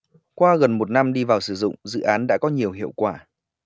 qua gần một năm đi vào sử dụng dự án đã có nhiều hiệu quả